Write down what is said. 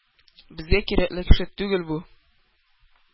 «безгә кирәкле кеше түгел бу!»